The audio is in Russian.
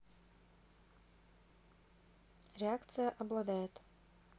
реакция обладает